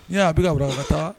N a bɛ kaurala taa